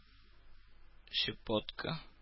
Щепотка